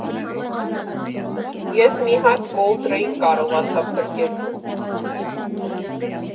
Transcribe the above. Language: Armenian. Ես մի հատ Կոլտրեյն կարողացա փրկել։